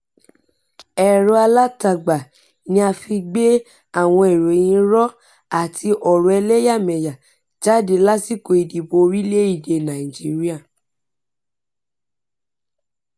Ẹ̀rọ Alátagbà ni a fi gbé àwọn ìròyìn irọ́ àti ọ̀rọ̀ ẹlẹ́yàmẹyà jáde lásìkò ìdìbò orílẹ̀-èdèe Nàìjíríà